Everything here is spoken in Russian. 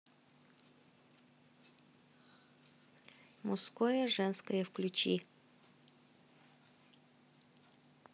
мужское женское включи